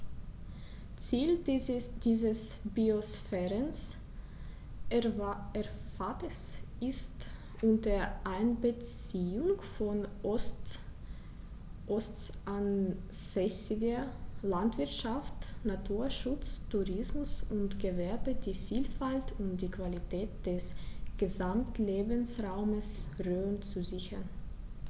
Ziel dieses Biosphärenreservates ist, unter Einbeziehung von ortsansässiger Landwirtschaft, Naturschutz, Tourismus und Gewerbe die Vielfalt und die Qualität des Gesamtlebensraumes Rhön zu sichern.